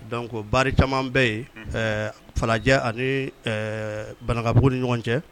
Don ko ba caman bɛ yen falajɛ ani banabugu ni ɲɔgɔn cɛ